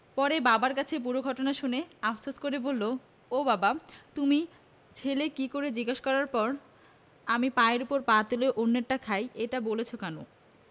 পরে বাবার কাছে পুরো ঘটনা শুনে আফসোস করে বললও বাবা তুমি ছেলে কী করে জিজ্ঞেস করার পর আমি পায়ের ওপর পা তুলে অন্যেরটা খাই এটা বলেছ কেন